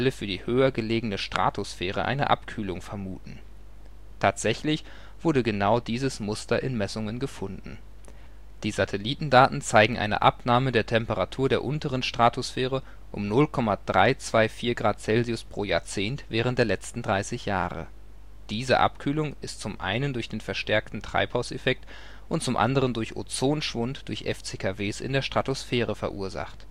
die höher gelegene Stratosphäre eine Abkühlung vermuten. Tatsächlich wurde genau dieses Muster in Messungen gefunden. Die Satellitendaten zeigen eine Abnahme der Temperatur der unteren Stratosphäre von 0,324 °C pro Jahrzehnt während der letzten 30 Jahre. Diese Abkühlung ist zum einen durch den verstärkten Treibhauseffekt und zum anderen durch Ozonschwund durch FCKWs in der Stratosphäre verursacht